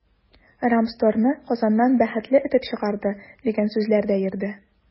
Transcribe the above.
“рамстор”ны казаннан “бәхетле” этеп чыгарды, дигән сүзләр дә йөрде.